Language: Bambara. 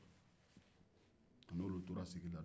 a n'olu tora sigi la